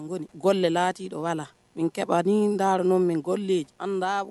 Gɔlɛ laati owala linkɛwariindarnomin gɔɔlid andaa